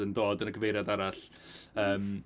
Yn dod yn y cyfeiriad arall yym.